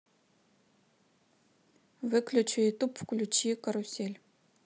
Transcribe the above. выключи ютуб включи карусель